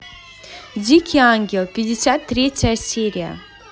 дикий ангел пятьдесят третья серия